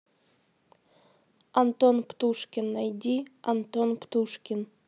антон птушкин найди антон птушкин